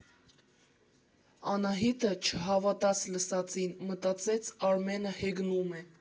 Անահիտը չհավատաց լսածին, մտածեց Արմենը հեգնում է։